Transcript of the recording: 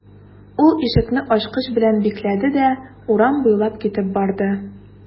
Ул ишекне ачкыч белән бикләде дә урам буйлап китеп барды.